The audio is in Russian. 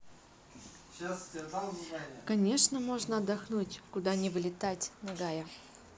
конечно можно отдохнуть куда не вылетать нагая